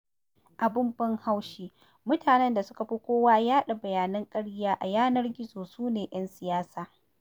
Abin ban haushi, mutanen da suka fi kowa yaɗa bayanan ƙarya a yanar gizo su ne 'yan siyasa.